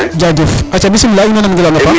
jafef aca bismilah in wanga a paax